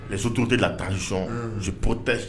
Mɛ sotu tɛ la taasi sɔn si pote